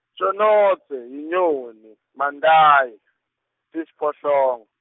Tjonodze, yinyoni, Mantayi , tisiphohlongo.